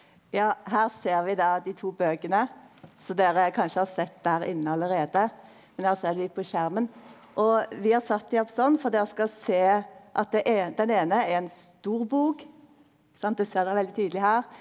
ja her ser vi då dei to bøkene som dokker kanskje har sett der inne allereie men dokker ser dei på skjermen og vi har satt dei opp sånn for dokker skal sjå at det eine den eine er ein stor bok sant det ser dokker veldig tydeleg her.